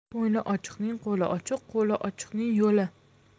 ko'ngli ochiqning qo'li ochiq qo'li ochiqning yo'li